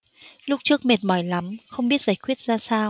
lúc trước mệt mỏi lắm không biết giải quyết ra sao